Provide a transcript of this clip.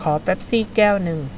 ขอเป็ปซี่แก้วหนึ่ง